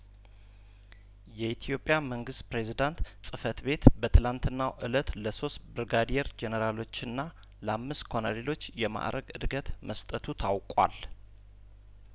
የኢትዮጵያ መንግስት ፕሬዝዳንት ጽህፈት ቤት በትላንትናው እለት ለሶስት ብርጋዴየር ጄኔራሎችና ለአምስት ኮሎኔሎች የማእረግ እድገት መስጠቱ ታውቋል